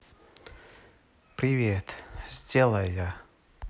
привет сделай я